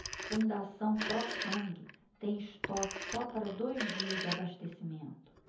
fundação pró sangue tem estoque só para dois dias de abastecimento